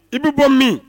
I b'i bɔ min?